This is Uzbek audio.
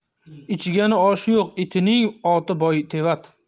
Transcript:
ichgani oshi yo'q itining oti boytevat